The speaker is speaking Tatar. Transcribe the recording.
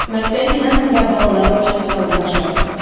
Мәктәп бинасында балалар бакчасы да урнаша.